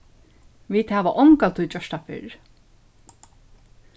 vit hava ongantíð gjørt tað fyrr